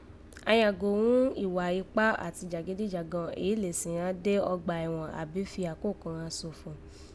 An yàgò ghún ìwà ipá àti jàgídíjàgan èyí lè sìn ghan dé ọgbà ẹ̀ghàn àbí fi àkókò ghan sòfò.